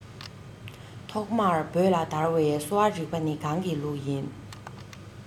ཐོག མར བོད ལ དར བའི གསོ བ རིག པ ནི གང གི ལུགས ཡིན